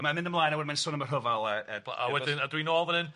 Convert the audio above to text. A mae'n mynd ymlaen a wedyn mae'n sôn am y rhyfal a a bla-... A wedyn a dwi nôl fan hyn.